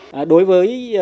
à đối với